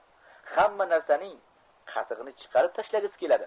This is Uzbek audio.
hamma narsaning qatig'ini chiqarib tashlagisi keladi